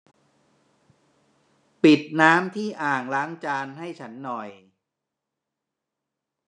ปิดน้ำที่อ่างล้างจานให้ฉันหน่อย